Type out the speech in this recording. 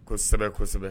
Kosɛbɛ kosɛbɛ